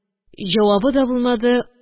Җавабы да булмады